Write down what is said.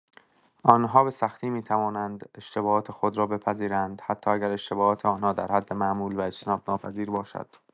آن‌ها به‌سختی می‌توانند اشتباهات خود را بپذیرند، حتی اگر اشتباهات آن‌ها در حد معمول و اجتناب‌ناپذیر باشد.